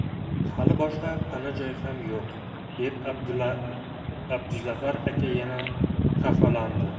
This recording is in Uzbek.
hali boshga pana joyi ham yo'q deb abduzafar aka yana xafalandi